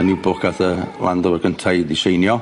Yn Niwbwch gath y Land Rover gynta i ddiseinio.